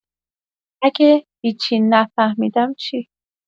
اگه هیچی نفهمیدم چی؟